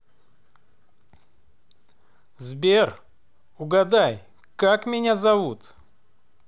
сбер угадай как меня зовут